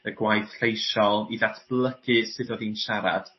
y gwaith leisiol i ddatblygu sut o'dd hi'n siarad.